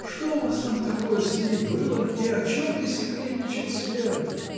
Что у вас там такое с ней было и о чем ты секретничал с Верой?